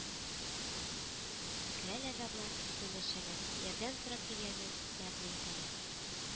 Керәләр дә болар, исәнләшәләр, ярдәм сорап килгәнлекләрен әйтәләр